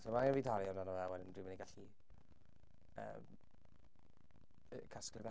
So ma' angen i fi talu amdano fe, a wedyn dwi'n mynd i gallu yym yy casglu fe.